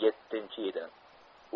bu yettinchi edi